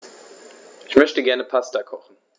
Ich möchte gerne Pasta kochen.